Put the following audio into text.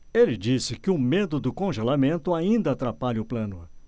ele disse que o medo do congelamento ainda atrapalha o plano